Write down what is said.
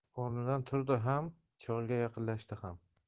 o'rnidan turdi ham cholga yaqinlashdi ham